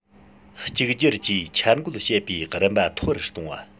གཅིག གྱུར གྱིས འཆར འགོད བྱེད པའི རིམ པ མཐོ རུ གཏོང བ